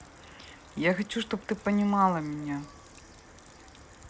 я хочу чтобы ты понимала меня